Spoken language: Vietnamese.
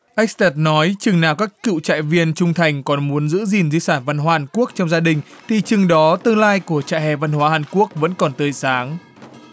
ếch tợt nói chừng nào các cựu trại viên trung thành còn muốn giữ gìn di sản văn hóa hàn quốc trong gia đình thì chừng đó tương lai của trại hè văn hóa hàn quốc vẫn còn tươi sáng